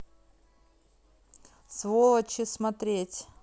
сволочи смотреть